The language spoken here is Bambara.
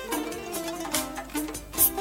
Sangɛnin yo